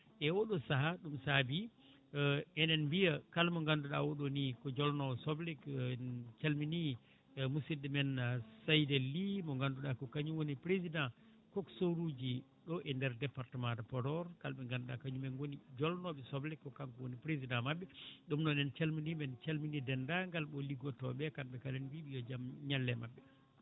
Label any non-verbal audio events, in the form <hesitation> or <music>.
e oɗo saaha ɗum saabi <hesitation> eɗen mbiya kala mo ganduɗa oɗo ni ko jolnowo soble <hesitation> en calmini e muisdɗo me Saydel Ly mo ganduɗa ko kañum woni président coxeur uji ɗo e département de Podor kalaɗo ganduɗa kañum en goni jolnoɓe ssoble ko kanko woni président mabɓe ɗum noon en calmini men en calmini ndendagal ɓewo liggodtoɓe kamɓe kala en mbiɓe jo jaam ñalle mabɓe